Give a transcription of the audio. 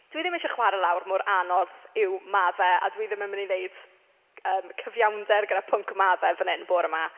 Dw i ddim isie chwarae lawr mor anodd yw maddau a dwi ddim yn mynd i wneud c- yym cyfiawnder gyda pwnc 'maddau' fan hyn bore 'ma.